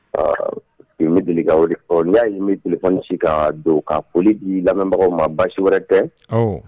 Ɔ n'u y'a yeelesi ka don ka foli di lamɛnbagaw ma basisi wɛrɛ tɛ